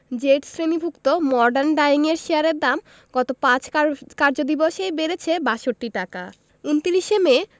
Z শ্রেণিভুক্ত modern ডায়িংয়ের শেয়ারের দাম গত ৫ কার্যদিবসেই বেড়েছে ৬২ টাকা ২৯ মে